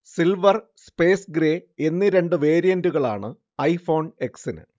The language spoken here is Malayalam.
സിൽവർ, സ്പേ്സ് ഗ്രേ എന്നീ രണ്ടു വേരിയന്റുകളാണ് ഐഫോൺ എക്സിന്